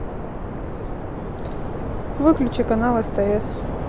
выключи канал стс